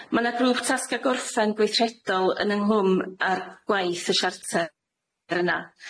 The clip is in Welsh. Ma' 'na grŵp tasga' gorffen gweithredol yn ynghlwm â'r gwaith y siarter yna,